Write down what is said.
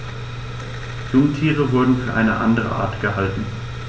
Jungtiere wurden für eine andere Art gehalten.